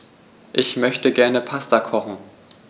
Ich möchte gerne Pasta kochen.